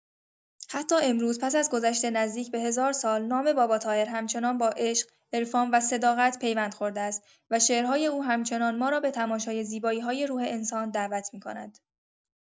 حتی امروز پس از گذشت نزدیک به هزار سال، نام باباطاهر همچنان با عشق، عرفان و صداقت پیوند خورده است و شعرهای او همچنان ما را به تماشای زیبایی‌های روح انسان دعوت می‌کند.